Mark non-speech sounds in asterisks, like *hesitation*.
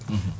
*hesitation* *hesitation*